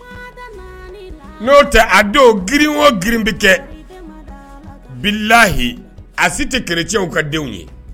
N'o tɛ a don grin wo girin bɛ kɛ bilahi a si tɛ kerecɛw ka denw ye